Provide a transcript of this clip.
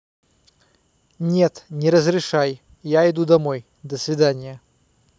нет не разрешай я иду домой до свидания